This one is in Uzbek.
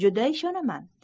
juda ishonaman